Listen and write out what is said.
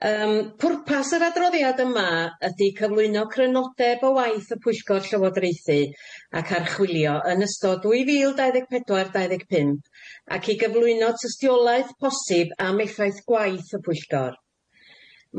Yym pwrpas yr adroddiad yma ydi cyflwyno crynodeb o waith y Pwyllgor Llywodraethu ac archwilio yn ystod dwy fil dau ddeg pedwar dau ddeg pump ac i gyflwyno tystiolaeth posib am effaith gwaith y Pwyllgor.